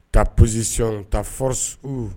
- -ta position, ta force ou